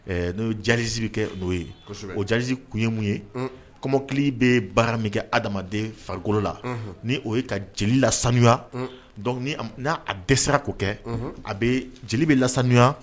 N'o ye jazsi bɛ kɛ' ye o jazsi tun ye mun ye kɔmmɔkili bɛ baara min kɛ adamaden farikolokolo la ni o ye ka jeli laya n'a dɛsɛ'o kɛ a bɛ jeli bɛ laya